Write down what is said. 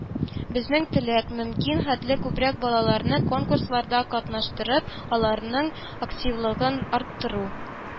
– безнең теләк – мөмкин хәтле күбрәк балаларны конкурсларда катнаштырып, аларның активлыгын арттыру